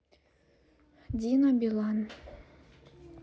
dina bilan